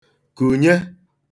kùnye